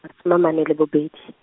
suma mane le bobedi.